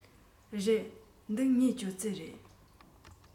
རེད འདི ངའི ཅོག ཙེ རེད